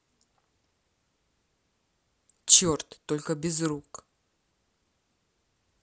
черт только без рук